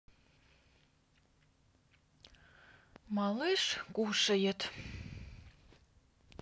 малыш кушает